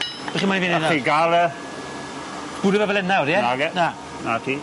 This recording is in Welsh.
Be' chi'n moyn fi neu nawr? 'Na ti ga'l e. Bwrw e fel 'yn nawr ie? Nage. Na. 'Na ti.